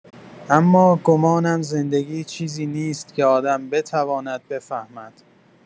اما گمانم زندگی چیزی نیست که آدم بتواند بفهمد.